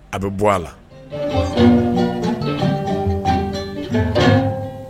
A bɛ bɔ a la